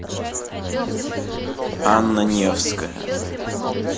анна невская